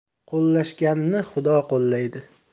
qo'llashganni xudo qo'llaydi